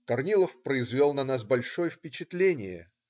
Корнилов произвел на нас большое впечатление.